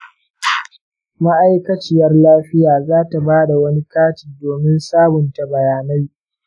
ma’aikaciyar lafiya za ta ba da wani kati domin sabunta bayanai.